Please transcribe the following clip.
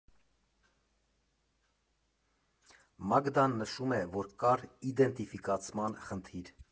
Մագդան նշում է, որ կար իդենտիֆիկացման խնդիր.